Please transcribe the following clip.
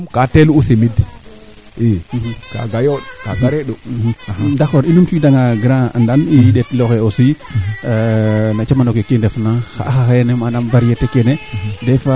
iyo bo nene o ga'an varieté fee jafe jafe jeene leyoona keene pour parenthese a re'u rek pour im ley keene